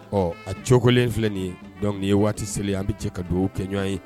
Ɔ a cookolen filɛ nin ye donc nin ye waati selen an bɛ jɛ ka dugawu kɛ ɲɔgɔn ye